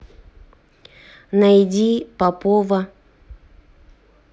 найди попова